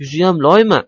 yuziyam loymi